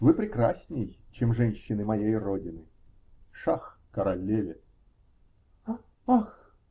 Вы прекрасней, чем женщины моей родины. Шах королеве. -- Ах!.